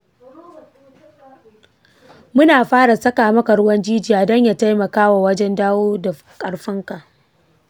mun fara saka maka ruwan jijiya don ya taimakawa wajen dawo da karfinka.